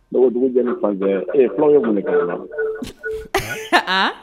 Dɔgɔ dugujɛ ni fan fula ye mun kɛ na